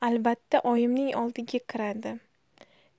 albatta oyimning oldiga kiradi